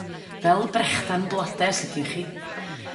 fel brechdan blode os liciwch chi.